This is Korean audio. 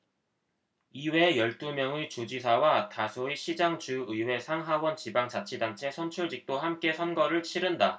이외에 열 두 명의 주지사와 다수의 시장 주 의회 상 하원 지방자치단체 선출직도 함께 선거를 치른다